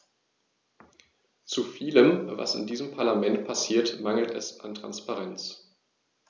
Zu vielem, was in diesem Parlament passiert, mangelt es an Transparenz.